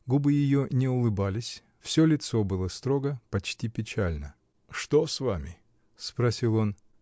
губы ее не улыбались, все лицо было строго, почти печально. -- Что с вами? -- опросил он.